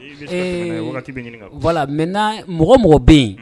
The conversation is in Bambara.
Ɛɛ mɛ mɔgɔ mɔgɔ bɛ yen